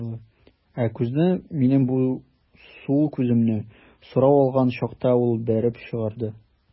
Ә күзне, минем бу сул күземне, сорау алган чакта ул бәреп чыгарды.